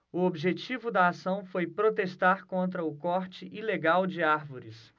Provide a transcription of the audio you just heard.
o objetivo da ação foi protestar contra o corte ilegal de árvores